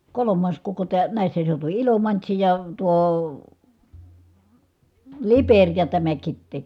kolmas koko - näissä seutuvin Ilomantsi ja tuo Liperi ja tämä Kitee